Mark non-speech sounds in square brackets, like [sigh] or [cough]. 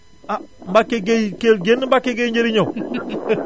ah Mbacke Gueye Kelle génn Mbacke gueye Njeri ñëw [laughs] [noise]